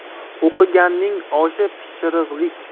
o'qiganning oshi pishirig'lik